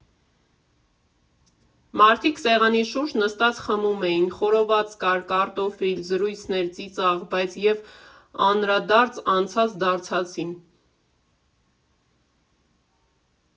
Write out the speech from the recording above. Մարդիկ սեղանի շուրջ նստած խմում էին, խորոված կար, կարտոֆիլ, զրույցներ, ծիծաղ, բայց և անդրադարձ անցած֊դարձածին։